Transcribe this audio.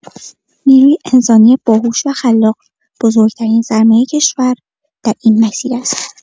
نیروی انسانی باهوش و خلاق، بزرگ‌ترین سرمایه کشور در این مسیر است.